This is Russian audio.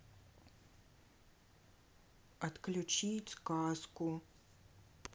отключить сказку